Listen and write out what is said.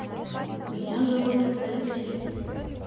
меня зовут алексей